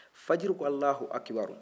fajiri ko alahu akubaru